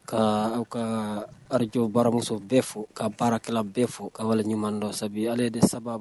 Kaa aw kaa Radio Baramuso bɛɛ fo k'a baarakɛla bɛɛ fo k'a waleɲuman dɔn sabi ale de sababu